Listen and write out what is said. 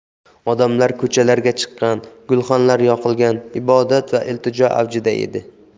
odamlar ko'chalarga chiqqan gulxanlar yoqilgan ibodat va iltijo avjida edi